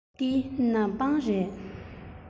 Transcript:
འདི ནག པང རེད